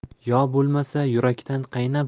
yo bo'lmasa yurakdan qaynab